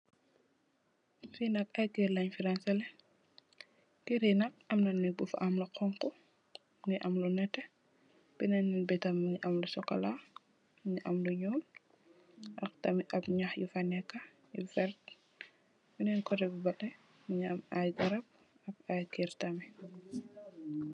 Fi nak ay kèr lèèn fi ranseleh, kèr yi nak am nèk bu fa am lu xonxu mugii am lu netteh benen nèk bi tamid mugii am lu sokola mugii am lu ñuul ak tamid ñax yu fa nèkka yu verta benen koteh bi batay mugii am ay garap ak ay kèr tamid.